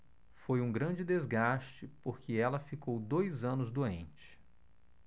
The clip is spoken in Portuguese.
foi um grande desgaste porque ela ficou dois anos doente